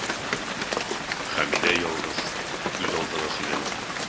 Хәмидә ялгыз, үзалдына сөйләнә.